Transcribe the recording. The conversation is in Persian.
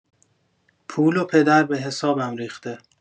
پول و پدر به حسابم ریخته